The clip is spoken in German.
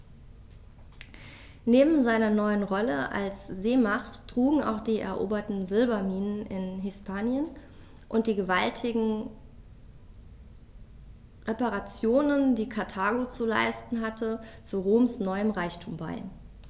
Neben seiner neuen Rolle als Seemacht trugen auch die eroberten Silberminen in Hispanien und die gewaltigen Reparationen, die Karthago zu leisten hatte, zu Roms neuem Reichtum bei.